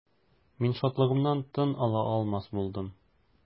Мин шатлыгымнан тын ала алмас булдым.